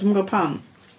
Dwi'm yn gwbod pam.